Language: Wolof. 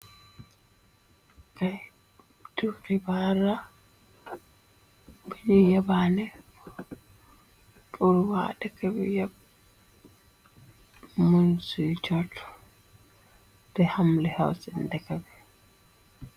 Be duni bara, beni yebane b burba dekabi yemunci cot, de hamli house ndekkabe.